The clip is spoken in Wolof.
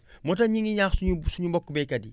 moo tax ñu ngi ñaax suñu suñu mbokki baykat yi